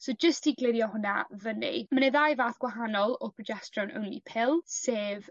So jyst i glirio hwnna fyny ma' 'na ddau fath gwahanol o progesteron only pill sef